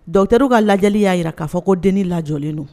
Dotɛrw ka lajɛ y'a jira k'a fɔ ko den lajɔlen don